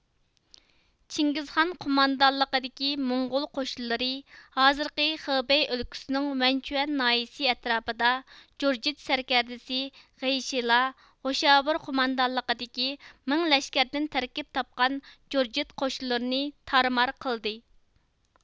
چىڭگىزخان قوماندانلىقىدىكى موڭغۇل قوشۇنلىرى ھازىرقى خېبىي ئۆلكىسىنىڭ ۋەنچۇەن ناھىيىسى ئەتراپىدا جۇرجىت سەركەردىسى غىيىشلا غوشاۋۇر قوماندانلىقىدىكى مىڭ لەشكەردىن تەركىپ تاپقان جۇرجىت قوشۇنلىرىنى تارمار قىلدى